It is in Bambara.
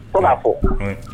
Kɔla fɔ oui